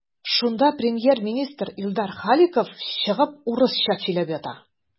Шунда премьер-министр Илдар Халиков чыгып урысча сөйләп ята.